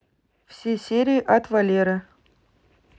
все серии от валеры